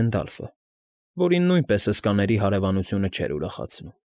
Հենդալֆը, որին նույնպես հսկաների հարևանությունը չէր ուրախացնում։